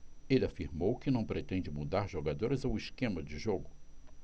ele afirmou que não pretende mudar jogadores ou esquema de jogo